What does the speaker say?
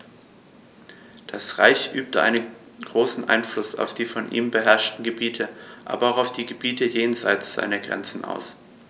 Das Reich übte einen großen Einfluss auf die von ihm beherrschten Gebiete, aber auch auf die Gebiete jenseits seiner Grenzen aus.